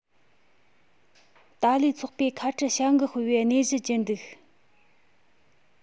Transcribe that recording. ཏཱ ལའི ཚོགས པས ཁ བྲལ བྱ འགུལ སྤེལ བའི གནས གཞིར གྱུར འདུག